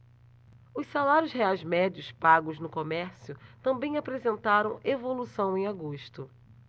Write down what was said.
os salários reais médios pagos no comércio também apresentaram evolução em agosto